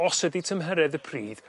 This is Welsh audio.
os ydi tymheredd y pridd